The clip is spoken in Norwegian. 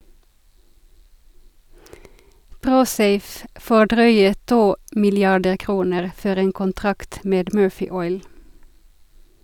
"Prosafe" får drøye to milliarder kroner for en kontrakt med "Murphy Oil".